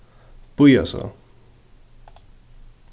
bíða so